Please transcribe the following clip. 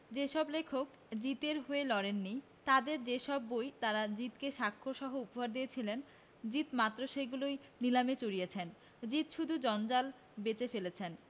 যে সব লেখক জিদে র হয়ে লড়েন নি তাঁদের যে সব বই তাঁরা জিদ কে স্বাক্ষরসহ উপহার দিয়েছিলেন জিদ মাত্র সেগুলোই নিলামে চড়িয়েছেন জিদ শুধু জঞ্জাল বেচে ফেলছেন